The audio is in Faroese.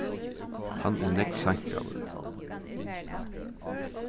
hann er nógv seinkaður